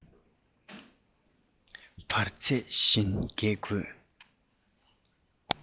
འབར རྫས བཞིན འགད དགོས